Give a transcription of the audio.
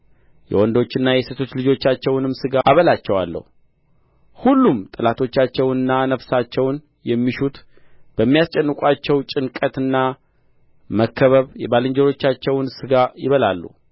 የወንዶችና የሴቶች ልጆቻቸውንም ሥጋ አበላቸዋለሁ ሁሉም ጠላቶቻቸውንና ነፍሳቸውን የሚሹት በሚያስጨንቋቸው ጭንቀትና መከበብ የባልንጀሮቻቸውን ሥጋ ይበላሉ